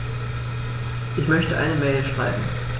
Ich möchte eine Mail schreiben.